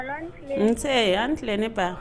Nse an tilen ne ba